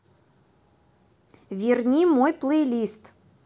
верни мой плейлист